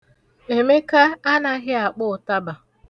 Emeka anaghị akpọ ụtaba.